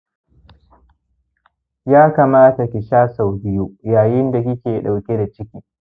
ya kamata ki sha sau biyu yayin da kike ɗauke da ciki